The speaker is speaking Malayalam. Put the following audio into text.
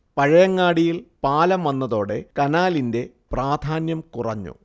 പഴയങ്ങാടിയിൽ പാലം വന്നതോടെ കനാലിന്റെ പ്രാധാന്യം കുറഞ്ഞു